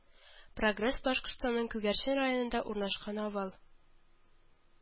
Прогресс Башкортстанның Күгәрчен районында урнашкан авыл